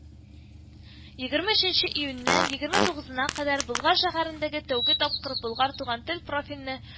Егерме оченче июньнән егерме тугызына кадәр Болгар шәһәрендә тәүге тапкыр “Болгар – Туган тел” профильле